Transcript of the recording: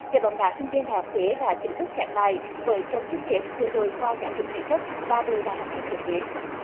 giải bóng đá sinh viên đại học huế đã chính thức khép lại với trận chung kết giữa đội khoa giáo dục thể chất và đội đại học y dược huế